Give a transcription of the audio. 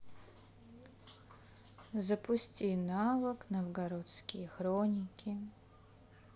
запусти навык новгородские хроники